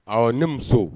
Ɔwɔ ne muso